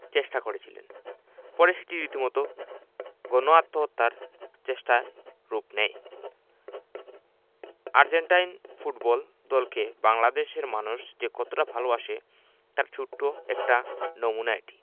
চেষ্টা করেছিলেন পরে সেটি রীতিমতো গণ আত্মহত্যার চেষ্টায় রূপ নেয় আর্জেন্টাইন ফুটবল দলকে বাংলাদেশের মানুষ যে কতটা ভালোবাসে তার ছোট্ট একটা নমুনা এটি